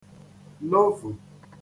lovù